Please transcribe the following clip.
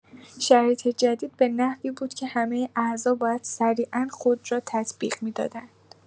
شرایط جدید به نحوی بود که همه اعضا باید سریعا خود را تطبیق می‌دادند.